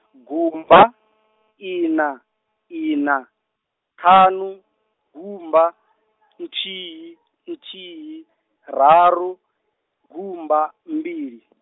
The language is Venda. gumba, ina, ina, ṱhanu, gumba , nthihi, nthihi, raru, gumba, mbili.